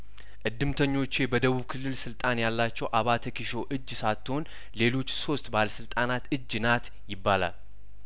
እድምተኞቼ በደቡብ ክልል ስልጣን ያላቸው አባተ ኪሾ እጅ ሳትሆን ሌሎች ሶስት ባለስልጣናት እጅናት ይባላል